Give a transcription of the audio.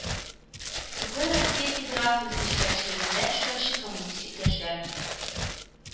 КэПэ Россия Федерациясе итәкчелегендә эшләүче Коммунистик яшьләр